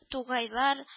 Тугайлар